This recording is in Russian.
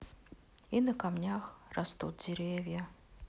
и на камнях растут деревья